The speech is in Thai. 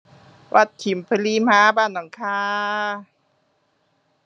วัดฉิมพลีมา บ้านหนองข่า